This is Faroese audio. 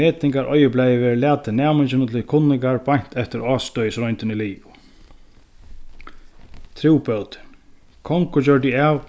metingaroyðublaðið verður latið næminginum til kunningar beint eftir ástøðisroyndin er liðug trúbótin kongur gjørdi av